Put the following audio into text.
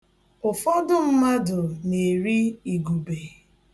Ụfọdụ mmadụ na-eri igube.